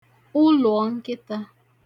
ulùònkitā